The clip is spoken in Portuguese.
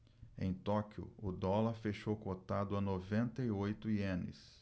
em tóquio o dólar fechou cotado a noventa e oito ienes